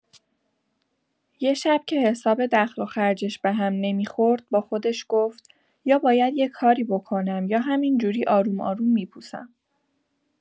یه شب که حساب دخل‌وخرجش به هم نمی‌خورد، با خودش گفت: «یا باید یه کاری بکنم، یا همین‌جوری آروم‌آروم می‌پوسم.»